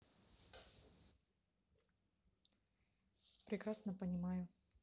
прекрасно понимаю